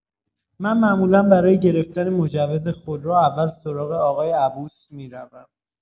من معمولا برای گرفتن مجوز خودرو اول سراغ آقای عبوس می‌روم.